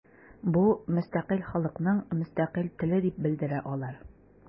Бу – мөстәкыйль халыкның мөстәкыйль теле дип белдерә алар.